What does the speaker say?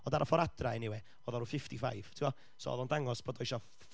Ond ar y ffordd adra, eniwe, oedd o ryw fifty five, tigod, so oedd o'n dangos bod o isio ff-